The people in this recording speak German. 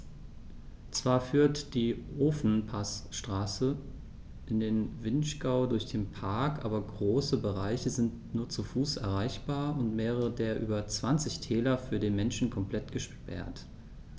Zwar führt die Ofenpassstraße in den Vinschgau durch den Park, aber große Bereiche sind nur zu Fuß erreichbar und mehrere der über 20 Täler für den Menschen komplett gesperrt.